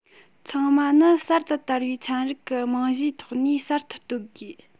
ཚང མ ནི གསར དུ དར བའི ཚན རིག གི རྨང གཞིའི ཐོག ནས གསར དུ བཏོད རེད